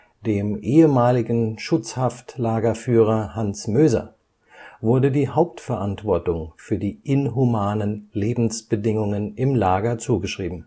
Dem ehemaligen Schutzhaftlagerführer Hans Möser wurde die Hauptverantwortung für die inhumanen Lebensbedingungen im Lager zugeschrieben